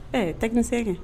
Ɛɛ tɛgɛ n se kɛ